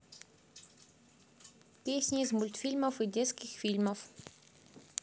песни из мультфильмов и детских фильмов